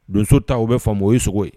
Donso ta u bɛ faamu o y ye sogo ye